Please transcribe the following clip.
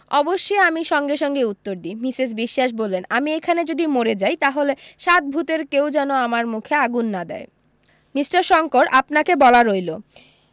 অবশ্যি আমি সঙ্গে সঙ্গে উত্তর দিই মিসেস বিশ্বাস বললেন আমি এখানে যদি মরে যাই তাহলে সাত ভূতের কেউ যেন আমার মুখে আগুন না দেয় মিষ্টার শংকর আপনাকে বলা রইলো